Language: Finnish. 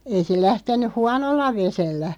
ei se lähtenyt huonolla vedellä